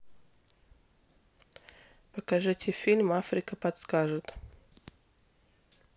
покажите фильм африка подскажет